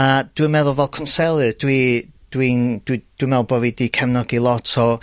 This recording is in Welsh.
A dwi'n meddwl fel cwnselydd dwi, dwi'n, dwi me'wl bo' fi cefnogi lot o